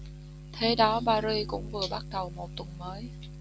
thế đó paris cũng vừa bắt đầu một tuần mới